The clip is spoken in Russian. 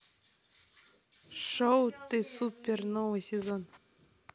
шоу ты супер новый сезон